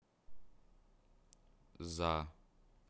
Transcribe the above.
за